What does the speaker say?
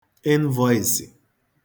ịnvọịsị